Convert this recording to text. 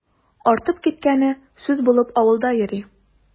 Артып киткәне сүз булып авылда йөри.